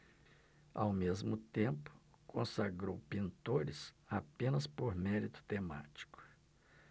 ao mesmo tempo consagrou pintores apenas por mérito temático